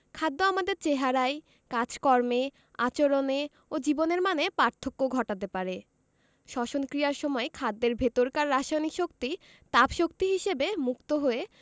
খাদ্য আমাদের চেহারায় কাজকর্মে আচরণে ও জীবনের মানে পার্থক্য ঘটাতে পারে শ্বসন ক্রিয়ার সময় খাদ্যের ভেতরকার রাসায়নিক শক্তি তাপ শক্তি হিসেবে মুক্ত হয়ে